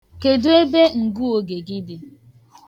Kedụ ebe ngụoge gị dị?